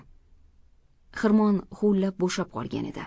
xirmon huvillab bo'shab qolgan edi